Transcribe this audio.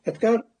Edgar?